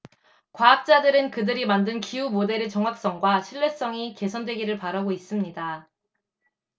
과학자들은 그들이 만든 기후 모델의 정확성과 신뢰성이 개선되기를 바라고 있습니다